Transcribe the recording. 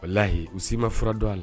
Walayi u si ma fura dɔn a la